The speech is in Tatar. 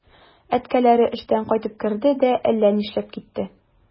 Әткәләре эштән кайтып керде дә әллә нишләп китте.